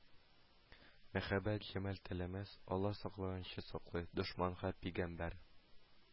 Мәхәббәт җамал теләмәс; Алла сакланганны саклый; Дошманга пигамбәр